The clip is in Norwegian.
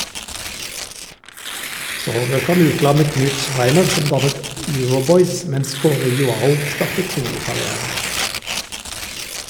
Så røk han uklar med Knut Schreiner, som dannet Euroboys, mens Kåre Joao startet solokarriere.